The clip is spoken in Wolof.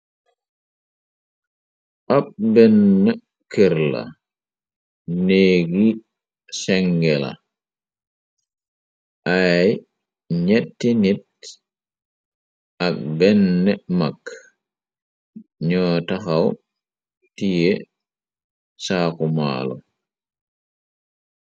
Ab benn kër la neegi senge la ay ñetti nit ak benn mag ñoo taxaw tiye saaku maalo.